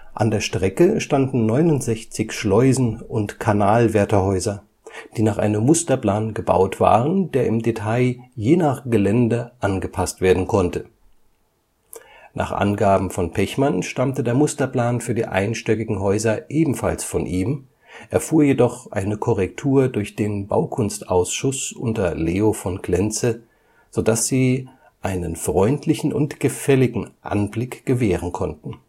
An der Strecke standen 69 Schleusen - und Kanalwärterhäuser, die nach einem Musterplan gebaut waren, der im Detail je nach Gelände angepasst werden konnte. Nach Angaben von Pechmann stammte der Musterplan für die einstöckigen Häuser ebenfalls von ihm, erfuhr jedoch eine Korrektur durch den Baukunstausschuss (unter Leo von Klenze), sodass sie „ einen freundlichen und gefälligen Anblick gewähren “konnten